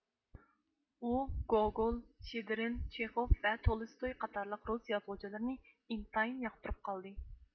ئۇ گوگول شېدرىن چېخوف ۋە تولستوي قاتارلىق رۇس يازغۇچىلىرىنى ئىنتايىن ياقتۇرۇپ قالدى